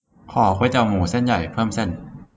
ขอก๋วยเตี๋ยวหมูเส้นใหญ่เพิ่มเส้น